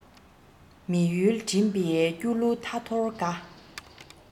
མི ཡུལ འགྲིམས པའི སྐྱོ གླུ ཐ ཐོར འགའ